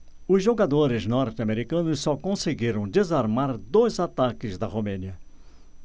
os jogadores norte-americanos só conseguiram desarmar dois ataques da romênia